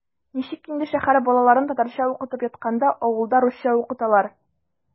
Ничек инде шәһәр балаларын татарча укытып ятканда авылда русча укыталар?!